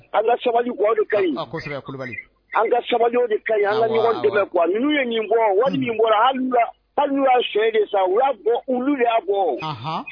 An ka sabali ka ɲi an ka sabali kau ye sɛ de sa y'a bɔ olu y'a bɔ